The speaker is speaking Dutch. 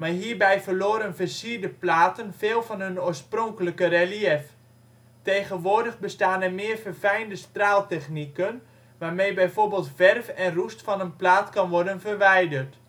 hierbij verloren versierde platen veel van hun oorspronkelijke reliëf. Tegenwoordig bestaan er meer verfijnde straaltechnieken waarmee bijvoorbeeld verf en roest van een plaat kan worden verwijderd